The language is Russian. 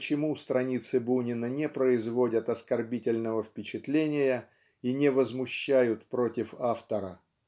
почему страницы Бунина не производят оскорбительного впечатления и не возмущают против автора.